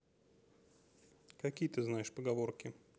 какие ты знаешь поговорки